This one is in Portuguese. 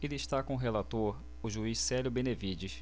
ele está com o relator o juiz célio benevides